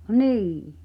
niin